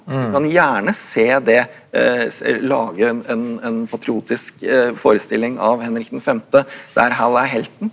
du kan gjerne se det lage en en en patriotisk forestilling av Henrik den femte der Hal er helten.